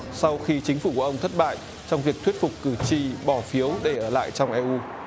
sau khi chính phủ của ông thất bại trong việc thuyết phục cử tri bỏ phiếu để ở lại trong e u